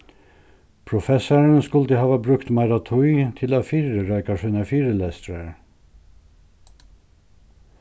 professarin skuldi hava brúkt meira tíð til at fyrireika sínar fyrilestrar